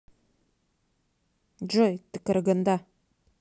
джой ты караганда